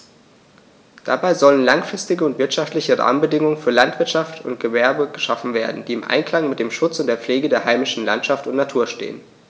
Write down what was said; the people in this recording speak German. Dabei sollen langfristige und wirtschaftliche Rahmenbedingungen für Landwirtschaft und Gewerbe geschaffen werden, die im Einklang mit dem Schutz und der Pflege der heimischen Landschaft und Natur stehen.